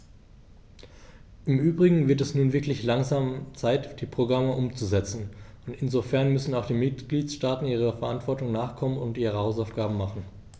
Im übrigen wird es nun wirklich langsam Zeit, die Programme umzusetzen, und insofern müssen auch die Mitgliedstaaten ihrer Verantwortung nachkommen und ihre Hausaufgaben machen.